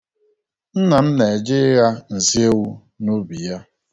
Nna m na-eje ịgha nsị ewu n'ubi ya.